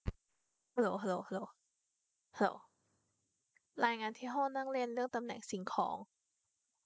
รายงานที่ห้องนั่งเล่นเรื่องตำแหน่งสิ่งของ